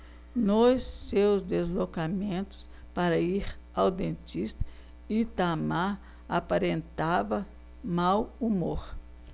nos seus deslocamentos para ir ao dentista itamar aparentava mau humor